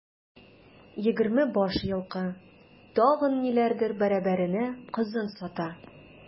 Егерме баш елкы, тагын ниләрдер бәрабәренә кызын сата.